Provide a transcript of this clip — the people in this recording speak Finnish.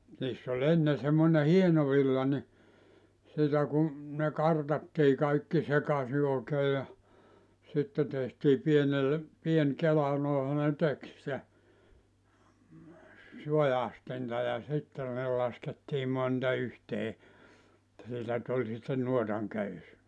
niissä oli ennen semmoinen hieno villa niin sitä kun ne kartattiin kaikki sekaisin oikein ja sitten tehtiin pienelle pieni kela noinhan ne teki sitä suastinta ja sitten ne laskettiin monta yhteen että siitä tuli sitten nuotan köysi